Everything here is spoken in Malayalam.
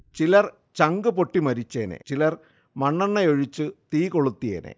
ചിലർ ചങ്കുപൊട്ടി മരിച്ചേനെ, ചിലർ മണ്ണെണ്ണയൈാഴിച്ച് തീ കൊളുത്തിയേനെ